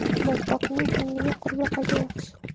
botqoqning kengligi qurbaqaga yaxshi